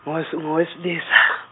ngowes- ngowesilisa.